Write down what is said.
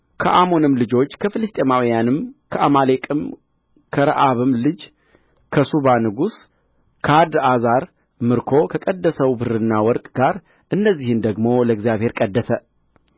ከሞዓብም ከአሞንም ልጆች ከፍልስጥኤማውያንም ከአማሌቅም ከረአብም ልጅ ከሱባ ንጉሥ ከአድርአዛር ምርኮ ከቀደሰው ብርና ወርቅ ጋር እነዚህን ደግሞ ለእግዚአብሔር ቀደሰ